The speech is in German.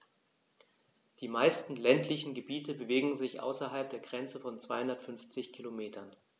Die meisten ländlichen Gebiete bewegen sich außerhalb der Grenze von 250 Kilometern.